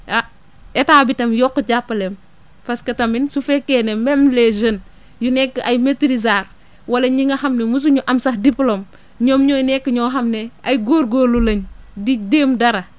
ah état bi tam yokk jàppaleem parce que tamit su fekkee ne même les jeunes yu nekk ay maitrisards wala ñi nga xam ne mosuñu am sax diplôme ñoom ñooy nekk ñoo xam ne ay góorgóorlu lañ di jéem dara